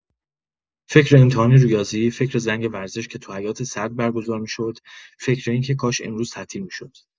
فکر امتحان ریاضی، فکر زنگ ورزش که تو حیاط سرد برگزار می‌شد، فکر این که کاش امروز تعطیل می‌شد.